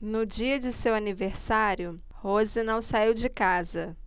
no dia de seu aniversário rose não saiu de casa